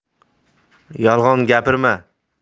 yolg'on gapirma